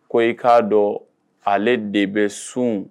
Ko i k'a dɔn ale de bɛ sun